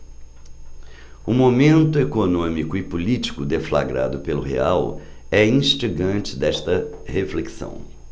o momento econômico e político deflagrado pelo real é instigante desta reflexão